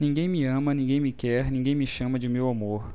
ninguém me ama ninguém me quer ninguém me chama de meu amor